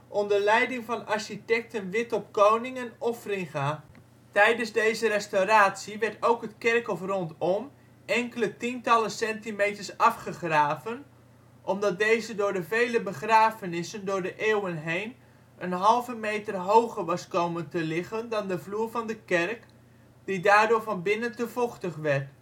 onder leiding van architecten Wittop Koning en Offringa. Tijdens deze restauratie werd ook het kerkhof rondom enkele tientallen centimeters afgegraven omdat deze door de vele begravenissen door de eeuwen heen een halve meter hoger was komen te liggen dan de vloer van de kerk, die daardoor van binnen te vochtig werd